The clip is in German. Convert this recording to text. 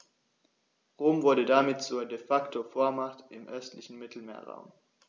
Rom wurde damit zur ‚De-Facto-Vormacht‘ im östlichen Mittelmeerraum.